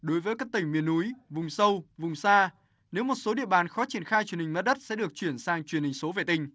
đối với các tỉnh miền núi vùng sâu vùng xa nếu một số địa bàn khó triển khai truyền hình mặt đất sẽ được chuyển sang truyền hình số vệ tinh